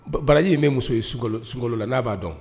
Baraji in bɛ muso ye la n'a'a dɔn